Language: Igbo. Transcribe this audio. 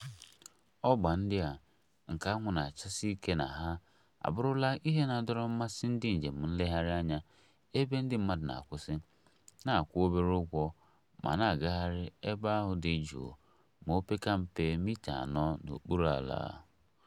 Ọgba ndị a nke anwụ na-achasi ike na ha abụrụla ihe na-adọrọ mmasị ndị njem nlegharị anya ebe ndị mmadụ na-akwụsị, na-akwụ obere ụgwọ, ma na-agagharị ebe ahụ dị jụụ ma opekampe mita anọ n'okpuru ala.